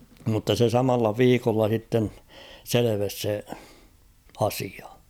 mutta se samalla viikolla sitten selvisi se asia